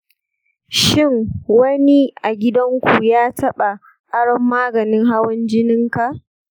shin wani a gidanku ya taba aron maganin hawan jininka?